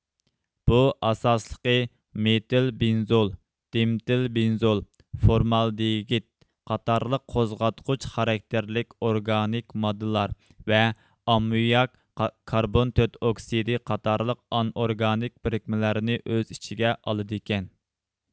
بۇ ئاساسلىقى مېتىل بېنزول دېمىتىل بېنزول فورمالدېگىد قاتارلىق قوزغاتقۇچ خاراكتېرلىك ئورگانىك ماددىلار ۋە ئاممىياك كاربون تۆت ئوكسىدى قاتارلىق ئانئورگانىك بىرىكمىلەرنى ئۆز ئىچىگە ئالىدىكەن